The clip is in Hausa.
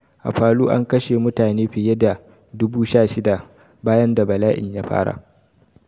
A Palu, an kwashe mutane fiye da 16,000 bayan da bala'in ya fara.